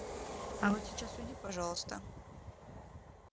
а вот сейчас уйди пожалуйста